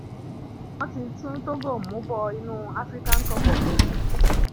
Wọ́n ti tún Togo mú bọ inú African Cup of Nations.